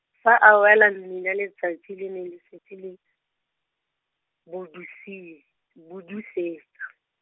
fa a wela mmila letsatsi le ne le setse le, budusi-, budusetsa.